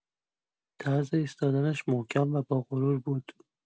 طرز ایستادنش محکم و با غرور بود.